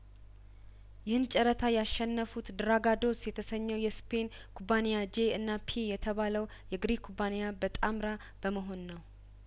ይህን ጨረታ ያሸነፉት ድራጋዶስ የተሰኘው የስፔን ኩባንያ ጄ እና ፒ የተባለው የግሪክ ኩባንያ በጣምራ በመሆን ነው